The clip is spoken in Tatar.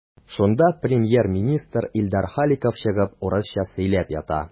Шунда премьер-министр Илдар Халиков чыгып урысча сөйләп ята.